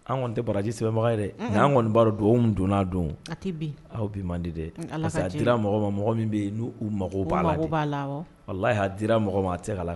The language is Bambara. An kɔni tɛ baraji sɛbɛnbɛbaga ye dɛ' kɔni baro dugawu donna don tɛ aw bi man di dɛ dira mɔgɔ ma mɔgɔ min bɛ yen n' u mako'a laa la y'a dira mɔgɔ ma a tɛ' la